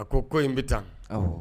A ko ko in n bɛ taa